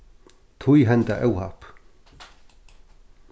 tí henda óhapp